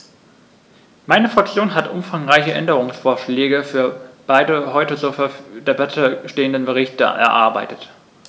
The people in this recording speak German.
Meine Fraktion hat umfangreiche Änderungsvorschläge für beide heute zur Debatte stehenden Berichte erarbeitet.